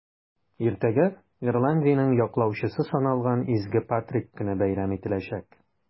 Иртәгә Ирландиянең яклаучысы саналган Изге Патрик көне бәйрәм ителәчәк.